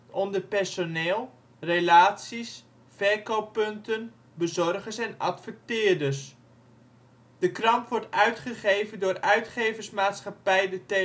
onder personeel, relaties, verkooppunten, bezorgers en adverteerders. De krant wordt uitgegeven door Uitgeversmaatschappij De Telegraaf (UMT), een